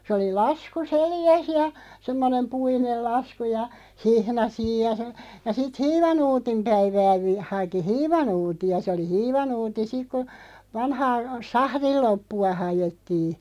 se oli lasku selässä ja semmoinen puinen lasku ja hihna siinä ja sanoi ja sitten hiivanuutin päivää - haki hiivanuuttia se oli hiivanuutti sitten kun vanhaa sahdin loppua haettiin